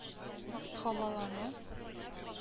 Һавалану